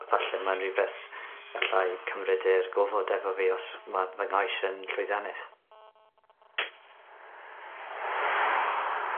falle mae'n rwbeth galla i cymryd i'r gofod efo fi os ma fy ngaish yn llwyddiannus.